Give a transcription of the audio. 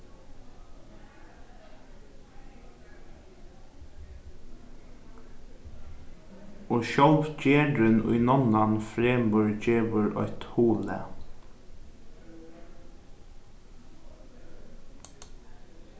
og sjálv gerðin ið nunnan fremur gevur eitt huglag